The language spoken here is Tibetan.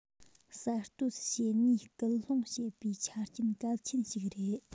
གསར གཏོད བྱེད ནུས སྐུལ སློང བྱེད པའི ཆ རྐྱེན གལ ཆེན ཞིག རེད